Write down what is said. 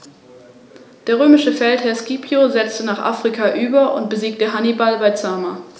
Felsnester in Schottland maßen im Mittel 1,33 m x 1,06 m und waren 0,79 m hoch, Baumhorste in Schweden hatten im Mittel einen Durchmesser von 1,4 m und waren 1,1 m hoch.